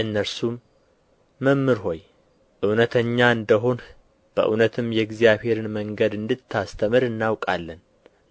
እነርሱም መምህር ሆይ እውነተኛ እንደ ሆንህ በእውነትም የእግዚአብሔርን መንገድ እንድታስተምር እናውቃለን